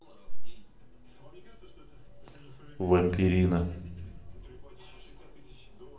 вампирина